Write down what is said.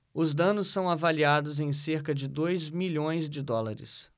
os danos são avaliados em cerca de dois milhões de dólares